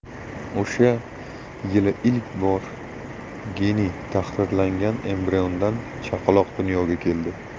o'sha yili ilk bor geni tahrirlangan embriondan chaqaloq dunyoga keldi